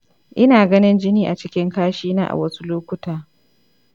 ina ganin jini a cikin kashi na a wasu lokuta.